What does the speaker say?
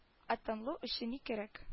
Ә танылу өчен ни кирәк